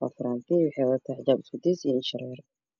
waxii wadtaa isku dees iyo indha shareer